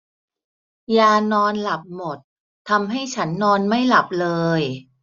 ยานอนหลับหมดทำให้ฉันนอนไม่หลับเลย